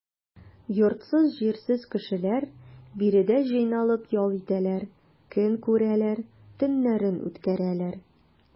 Йортсыз-җирсез кешеләр биредә җыйналып ял итәләр, көн күрәләр, төннәрен үткәрәләр.